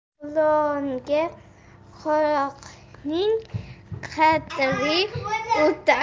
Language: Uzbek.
qulonga qoqning qadri o'tar